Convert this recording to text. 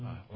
waaw